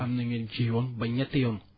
am na ñu jiwoon ba ñetti yoon